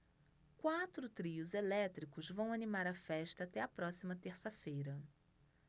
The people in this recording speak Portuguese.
quatro trios elétricos vão animar a festa até a próxima terça-feira